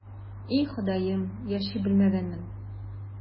И, Ходаем, яши белмәгәнмен...